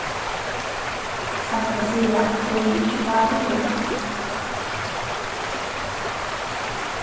satt at siga eri eg ikki pápi tín